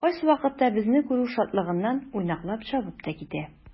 Кайсы вакытта безне күрү шатлыгыннан уйнаклап чабып та китә.